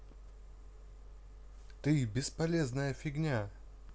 ты бесполезная фигня